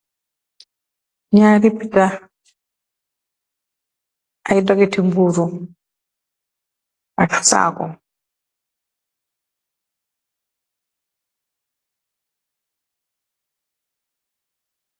Nyari pita ay doketi mburu aksako.